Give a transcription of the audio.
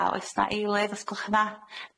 A oes 'na eiledd os gwelwch yn dda?